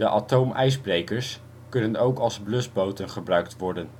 atoomijsbrekers kunnen ook als blusboten gebruikt worden